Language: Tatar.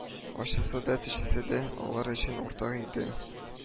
Ачысы да төчесе дә алар өчен уртак иде